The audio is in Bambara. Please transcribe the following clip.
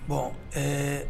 Bɔn ɛɛ